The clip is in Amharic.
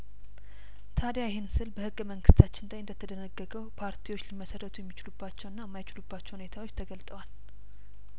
ታዲያይህን ስል በህገ መንግስታችን ላይ እንደ ተደነገገው ፓርቲዎች ሊመሰረቱ የሚችሉ ባቸውና የማይችሉባቸው ሁኔታዎች ተገልጠዋል